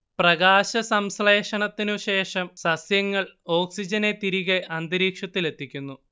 പ്രകാശസംശ്ലേഷണത്തിനു ശേഷം സസ്യങ്ങൾ ഓക്സിജനെ തിരികെ അന്തരീക്ഷത്തിലെത്തിക്കുന്നു